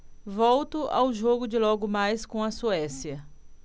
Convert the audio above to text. volto ao jogo de logo mais com a suécia